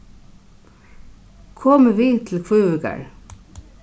komið við til kvívíkar